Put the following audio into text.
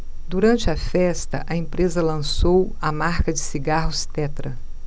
durante a festa a empresa lançou a marca de cigarros tetra